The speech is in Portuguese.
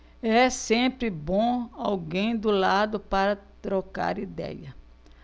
é sempre bom alguém do lado para trocar idéia